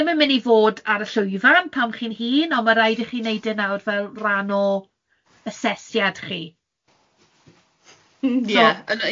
ddim yn mynd i fod ar y llwyfan pan chi'n hŷn, ond mae'n rhaid i chi 'neud e nawr fel rhan o asesiad chi.